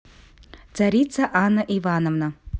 царица анна ивановна